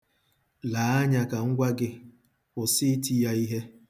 Lee anya ka m gwa gị, kwụsị iti ya ihe.